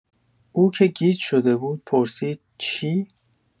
او که گیج شده بود پرسید: چی؟